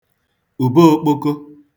ùbeōkpōkō